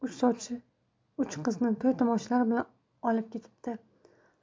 uch sovchi uch qizini to'y tomoshalar bilan olib ketibdi